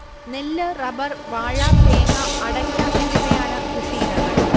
നെല്ല്, റബ്ബർ, വാഴ തേങ്ങ, അടയ്‌ക്ക എന്നിവയാണ് കൃഷിയിനങ്ങൾ